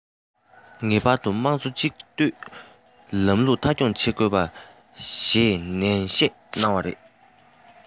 ངེས པར དུ དམངས གཙོ གཅིག སྡུད ལམ ལུགས མཐའ འཁྱོངས བྱེད དགོས ཞེས ནན བཤད གནང བ རེད